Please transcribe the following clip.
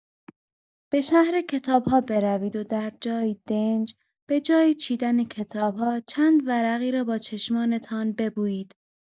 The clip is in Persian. به شهر کتاب‌ها بروید و در جایی دنج، به‌جای چیدن کتاب‌ها، چند ورقی را با چشمانتان ببویید!